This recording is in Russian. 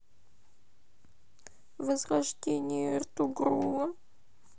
возрождение эртугрула